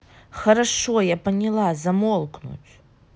хорошо я поняла замолкнуть